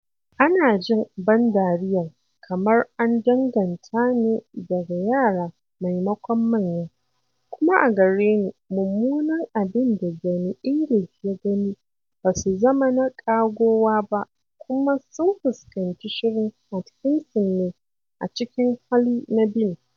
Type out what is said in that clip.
Ana jin ban dariyar kamar an danganta ne da ga yara maimakon manya, kuma a gare ni mummunan abin da Johnny English ya gani ba su zama na ƙagowa ba kuma sun fuskanci shirun Atkinson ne a cikin hali na Bean.